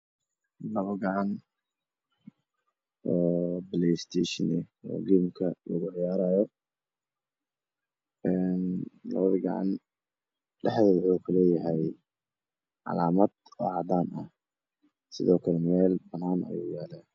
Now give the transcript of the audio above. Labo gacan oo bilishteeshin ah oo geemka lagu ciyaarayo labada gacan dhexda ku leeyahay calaamad cadanah sidoo kla meel banaan ayuu yaalaa